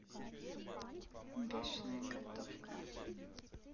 бешеная готовка